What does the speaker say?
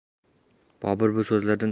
bobur bu so'zlardan